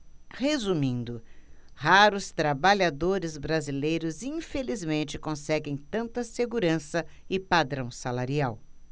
resumindo raros trabalhadores brasileiros infelizmente conseguem tanta segurança e padrão salarial